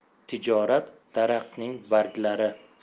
tijorat daraxtning barglari